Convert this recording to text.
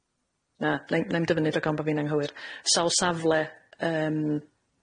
Na, 'na i'm 'na i'm dyfynnu rhag ofn bo' fi'n anghywir, sawl safle yym